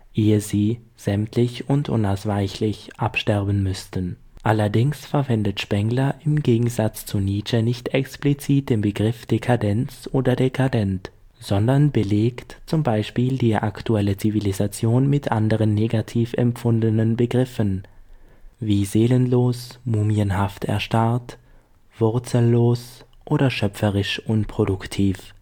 ehe sie – sämtlich und unausweichlich – absterben müssten. Allerdings verwendet Spengler im Gegensatz zu Nietzsche nicht explizit den Begriff „ Dekadenz/dekadent “, sondern belegt z. B. die aktuelle Zivilisation mit anderen negativ empfundenen Begriffen wie „ seelenlos “,„ mumienhaft erstarrt “,„ wurzellos “, oder „ schöpferisch unproduktiv